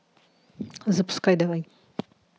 запускай давай